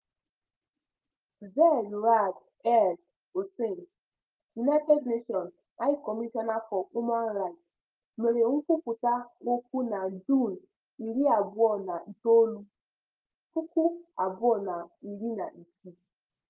Zeid Ra'ad Al Hussein, United Nations High Commissioner for Human Rights, mere nkwupụta okwu na Juun 29, 2016.